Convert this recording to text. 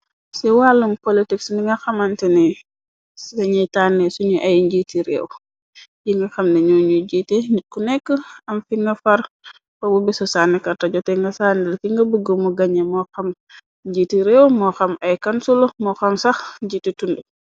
Ci wàllum politic ni nga xamante ni dañay tànnee suñu ay njiiti réew yi nga xamne ñuo ñuy jiite nitku nekk am fi nga far ka bu beso sannikarta jote nga sàndil ci nga bëggamu gañe moo xam njiiti réew moo xam ay kansul moo xam sax jiiti tundu.